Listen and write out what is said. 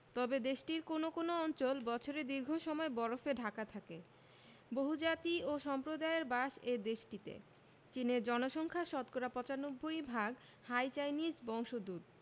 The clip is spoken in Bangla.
তবে দেশটির কোনো কোনো অঞ্চল বছরের দীর্ঘ সময় বরফে ঢাকা থাকে বহুজাতি ও সম্প্রদায়ের বাস এ দেশটিতে চীনের জনসংখ্যা শতকরা ৯৫ ভাগ হান চাইনিজ বংশোদূত